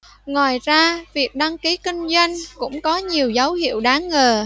ngoài ra việc đăng ký kinh doanh cũng có nhiều dấu hiệu đáng ngờ